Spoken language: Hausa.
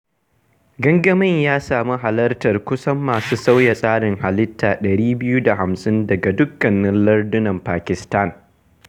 Gangamin ya sami halartar kusan masu sauya tsarin halitta 250 daga dukkanin lardunan Pakistan.